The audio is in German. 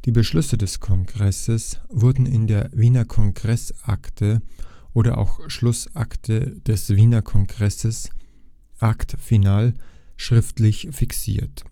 Beschlüsse des Kongresses wurden in der Wiener Kongressakte, oder auch Schlussakte des Wiener Kongresses (Acte final), schriftlich fixiert